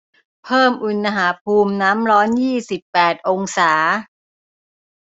เพิ่มอุณหภูมิน้ำร้อนยี่สิบแปดองศา